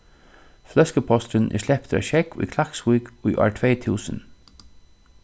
fløskuposturin er sleptur á sjógv í klaksvík í ár tvey túsund